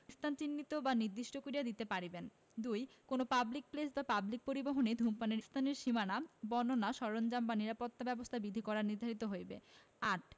স্থান চিহ্নিত বা নির্দিষ্ট করিয়া দিতে পারিবেন ২ কোন পাবলিক প্লেস বা পাবলিক পরিবহণে ধূমপানের স্থানের সীমানা বর্ণনা সরঞ্জাম এবং নিরাপত্তা ব্যবস্থা বিধি দ্বারা নির্ধারিত হইবে ৮